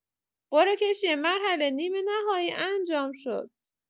قرعه‌کشی مرحله نیمه‌نهایی انجام شد.